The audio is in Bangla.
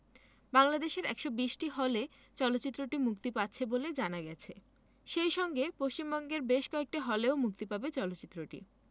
বাংলাদেশের ১২০টি হলে চলচ্চিত্রটি মুক্তি পাচ্ছে বলে জানা গেছে সেই সঙ্গে পশ্চিমবঙ্গের বেশ কয়েকটি হলেও মুক্তি পাবে চলচ্চিত্রটি